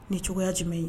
Ni cogoyaya jumɛnmɛ ye